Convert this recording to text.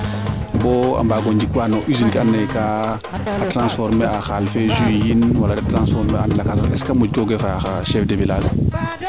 bo a mbaago njik waa no usine ke ando naye kaa a transport a xaal fee yiin jus wala te transformer an lakas est ce que moƴ kooge faax chef du village